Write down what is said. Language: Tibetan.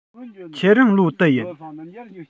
ཁྱེད རང ལོ དུ ཡིན